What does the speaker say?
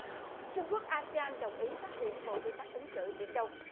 trung quốc a se an đồng ý phát triển bộ quy tắc ứng xử biển đông